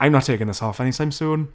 I'm not taking this off any time soon.